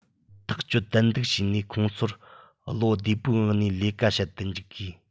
ཐག གཅོད ཏན ཏིག བྱས ནས ཁོང ཚོར བློ བདེ པོའི ངང ནས ལས ཀ བྱེད དུ འཇུག དགོས